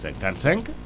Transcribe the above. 55